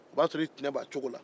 o b'a sɔrɔ i tɛnɛ ma tiɲɛ dɛ